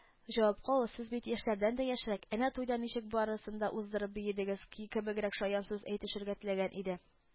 Җавапка ул сез бит яшьләрдән дә яшьрәк, әнә туйда ничек барысын да уздырып биедегез ки кебегрәк шаян сүз әйтешергә теләгән иде